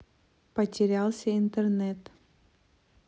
потерялся интернет